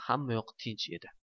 hammayoq tinch edi